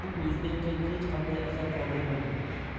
u o'zidan keyin hech qanday asar qoldirmagan